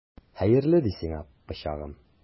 Хәерле ди сиңа, пычагым!